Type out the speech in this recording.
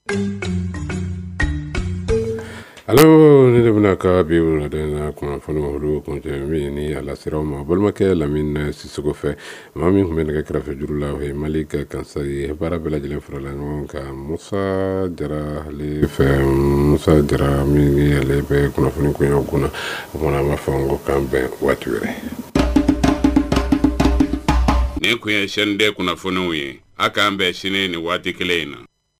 ne de bɛna ka bi kunnafoni la ma balimakɛ si fɛ min tun bɛ kɛrɛfɛ juru mali ka baara bɛɛ lajɛlen la ɲɔgɔn kan bɛ kunnafoniw b fɔ k bɛn waati ninden kunnafoniw ye a k an bɛn sini ni waati kelen in na